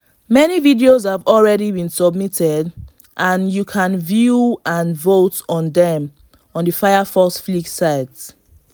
Many videos have already been submitted, and you can view and vote on them on the Firefox Flicks site.